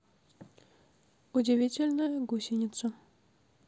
удивительная гусеница